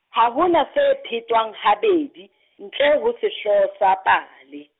ha ho na se phetwang habedi, ntle ho sehlooho sa pale.